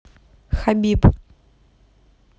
хабиб